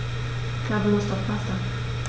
Ich habe Lust auf Pasta.